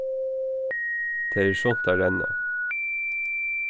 tað er sunt at renna